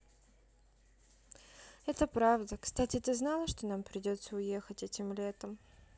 это правда кстати ты знала что нам придется уехать этим летом